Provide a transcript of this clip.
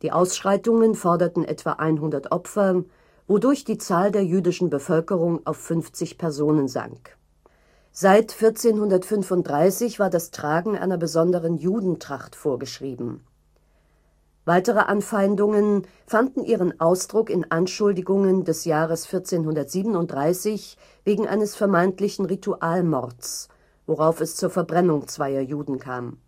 Ausschreitungen forderten etwa 100 Opfer, wodurch die Zahl der jüdischen Bevölkerung auf 50 Personen sank. Seit 1435 war das Tragen einer besonderen Judentracht vorgeschrieben. Weitere Anfeindungen fanden ihren Ausdruck in Anschuldigungen des Jahres 1437 wegen eines vermeintlichen Ritualmords, worauf es zur Verbrennung zweier Juden kam